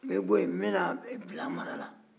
n bɛ bɔ yen n bɛ na bila mara la